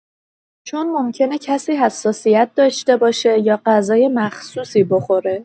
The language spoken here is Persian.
چون ممکنه کسی حساسیت داشته باشه یا غذای مخصوصی بخوره.